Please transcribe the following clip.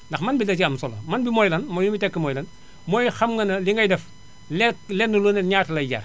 ndax mën gi dacee am solo mën bi mooy lan mooy li muy tekki mooy lan mooy xam nga ne li ngay def lenn lenn lu ne ñaata lay jar